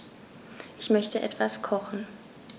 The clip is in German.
Ich möchte etwas kochen.